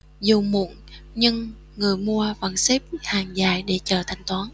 dù muộn nhưng người mua vẫn xếp hàng dài để chờ thanh toán